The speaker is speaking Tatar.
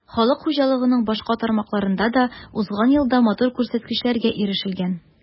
Халык хуҗалыгының башка тармакларында да узган елда матур күрсәткечләргә ирешелгән.